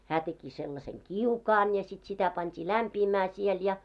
hän teki sellaisen kiukaan ja sitten sitä pantiin lämpiämään siellä ja